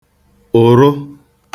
ụ̀rụ